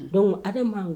Don ale man